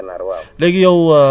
ci gànnaar waaw